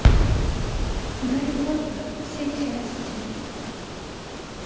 гарри поттер все части